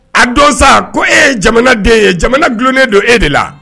A don sa ko e ye jamana ye jamana dunen don e de la